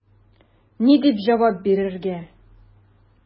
Ни дип җавап бирергә?